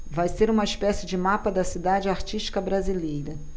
vai ser uma espécie de mapa da cidade artística brasileira